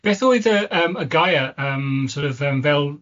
Beth oedd yy yym y gair yym sor' of yym fel